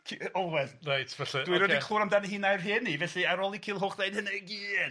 Cu- yy Olwen. Reit felly yy... Dwi rioed 'di clwad amdani hi na'i rhieni, felly ar ôl i Culhwch ddeud hynna i gyd.